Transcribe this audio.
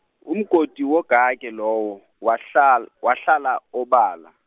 umgodi wogage lowo, wahlal-, wahlala obala.